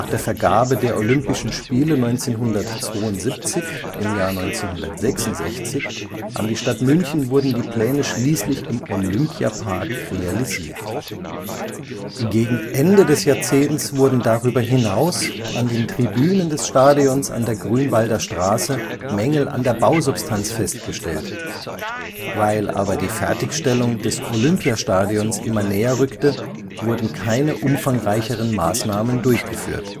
der Vergabe der Olympischen Spiele 1972 im Jahr 1966 an die Stadt München wurden die Pläne schließlich im Olympiapark realisiert. Gegen Ende des Jahrzehnts wurden darüber hinaus an den Tribünen des Stadions an der Grünwalder Straße Mängel an der Bausubstanz festgestellt. Weil aber die Fertigstellung des Olympiastadions näher rückte, wurden keine umfangreicheren Maßnahmen durchgeführt